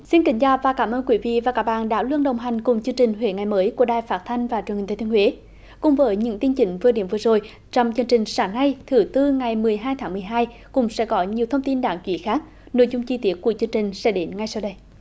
xin kính chào và cảm ơn quý vị và các bạn đã luôn đồng hành cùng chương trình huế ngày mới của đài phát thanh và truyền hình thừa thiên huế cùng với những tin chính vừa điểm vừa rồi trong chương trình sáng nay thứ tư ngày mười hai tháng mười hai cũng sẽ có nhiều thông tin đáng chú ý khác nội dung chi tiết của chương trình sẽ đến ngay sau đây